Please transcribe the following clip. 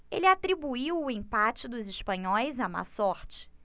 ele atribuiu o empate dos espanhóis à má sorte